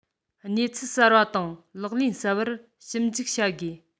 གནས ཚུལ གསར པ དང ལག ལེན གསར པར ཞིབ འཇུག བྱ དགོས